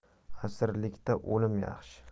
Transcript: asirlikdan o'lim yaxshi